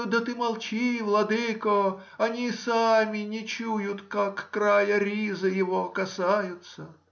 Да ты молчи, владыко, они сами не чуют, как края ризы его касаются.